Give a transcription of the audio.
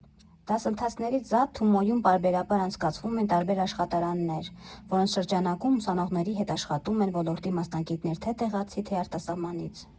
Դասընթացներից զատ Թումոյում պարբերաբար անցկացվում են տարբեր աշխատարաններ, որոնց շրջանակում ուսանողների հետ աշխատում են ոլորտի մասնագետներ թե՛ տեղացի, թե՛ արտասահմանից։